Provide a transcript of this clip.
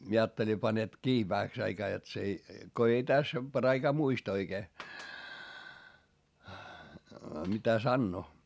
minä ajattelin panet kiinni vähäksi aikaa jotta se ei kun ei tässä paraikaa muista oikein mitä sanoo